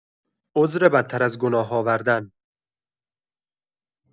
عذر بدتر از گناه آوردن